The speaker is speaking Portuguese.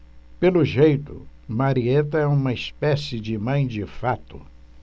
pelo jeito marieta é uma espécie de mãe de fato